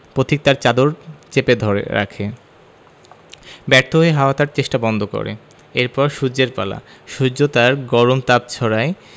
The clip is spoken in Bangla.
পথিক তার চাদর চেপে ধরে রাখে ব্যর্থ হয়ে হাওয়া তার চেষ্টা বন্ধ করে এর পর সূর্যের পালা সূর্য তার গরম তাপ ছড়ায়